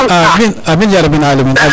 amin amin yarabin alamin amin